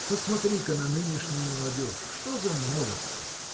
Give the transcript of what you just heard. Посмотри-ка на нынешнюю молодежь: что за молодцы!